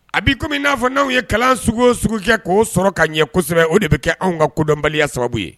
A bi comme i n'a fɔ n'anw ye kalan sugu o sugu kɛ k'o sɔrɔ ka ɲɛ kosɛbɛ o de bɛ kɛ anw ŋa kodɔnbaliya sababu ye